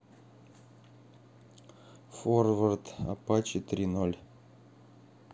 форвард апачи три ноль